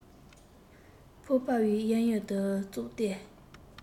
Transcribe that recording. ཕོར པའི གཡས གཡོན དུ ཙོག སྟེ